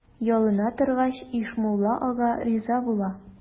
Ялына торгач, Ишмулла ага риза була.